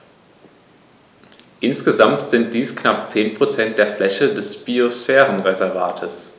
Insgesamt sind dies knapp 10 % der Fläche des Biosphärenreservates.